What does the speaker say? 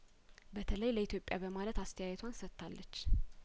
በተለይ ለኢትዮጵያ በማለት አስተያየቷን ሰጥታለች